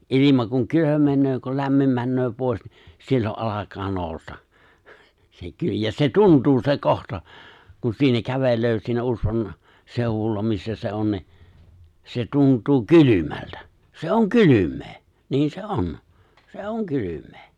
ilma kun kylmenee kun lämmin menee pois niin silloin alkaa nousta se - ja se tuntuu se kohta kun siinä kävelee siinä usvan seudulla missä se on niin se tuntuu kylmältä se on kylmää niin se on se on kylmää